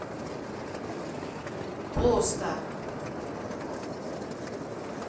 пусто